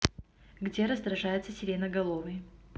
где раздражается сиреноголовый